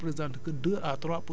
xam nga loolu am na solo